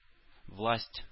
Власть